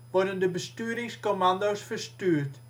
worden de besturingscommando 's verstuurd